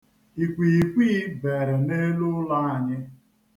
Ikwiikwii beere n'elu ụlọ anyị.